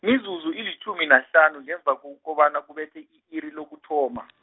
mizuzu ilitjhumi nahlanu ngemva ko- kobana kubethe i-iri lokuthoma.